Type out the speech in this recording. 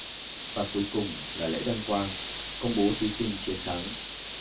và cuối cùng là lễ đăng quang công bố thí sinh chiến thắng